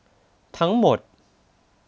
ทั้งหมด